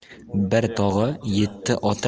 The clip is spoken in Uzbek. bir tog'a yetti